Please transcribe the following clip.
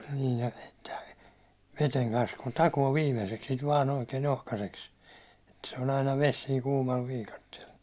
niin ja sitten veden kanssa kun takoo viimeiseksi sitä vain oikein ohkaiseksi että se on aina vesi siinä kuumalla viikatteella